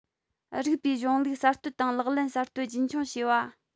རིགས པའི གཞུང ལུགས གསར གཏོད དང ལག ལེན གསར གཏོད རྒྱུན འཁྱོངས བྱས པ